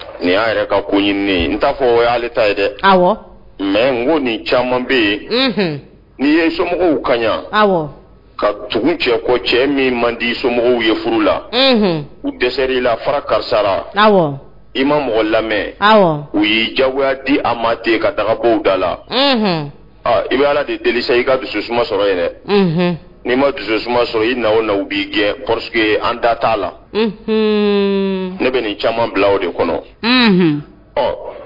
Ni y'a yɛrɛ ka ko ɲini n'a fɔ o'ale ta ye dɛ aw mɛ n ko nin caman bɛ yen n'i ye somɔgɔww kaɲa ka tugu cɛ kɔ cɛ min man di somɔgɔww ye furu la u dɛsɛ' i la fara karisara aw i ma mɔgɔ lamɛn u y'i jagoya di a ma den ka taga bɔw da la i bɛ ala de delisa i ka dusu suma sɔrɔ yen dɛ nii ma dusu suma sɔrɔ i na na u b'i gɛn ye an data la ne bɛ nin caman bila o de kɔnɔ ɔ